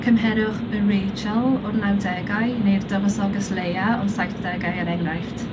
Cymherwch y Rachel o'r nawdegau neu'r dywysoges Leia o'r saithdegau, er enghraifft.